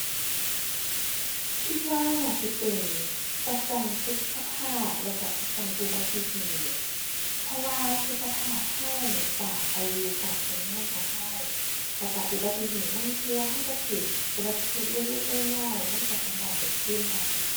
คิดว่าน่าสิเป็นประกันสุขภาพแล้วก็ประกันอุบัติเหตุ เพราะว่าสุขภาพก็ตามอายุการก็งานของก็ แล้วก็อุบัติเหตุลางเทื่อก็ก็ก็อุบัติเหตุเล็กเล็กน้อยน้อย มันก็สามารถเบิกคืนได้